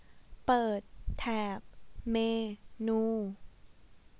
เปิดแถบเมนู